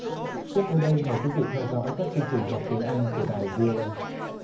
tiếp theo đây mời quý vị theo dõi các chương trình học tiếng anh của đài vi ô ây